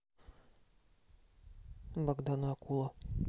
богдан и акула